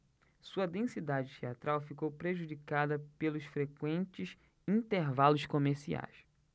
sua densidade teatral ficou prejudicada pelos frequentes intervalos comerciais